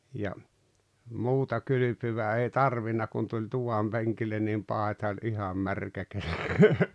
ja muuta kylpyä ei tarvinnut kun tuli tuvan penkille niin paita oli ihan märkä kyllä